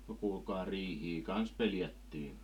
no kuulkaa riihiä kanssa pelättiin